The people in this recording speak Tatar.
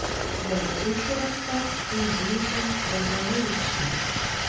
Беренче чиратта, үзең өчен файдалы яшәүне.